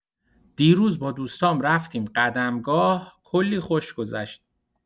دیروز با دوستام رفتیم قدمگاه، کلی خوش گذشت!